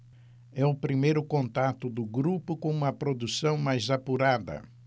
é o primeiro contato do grupo com uma produção mais apurada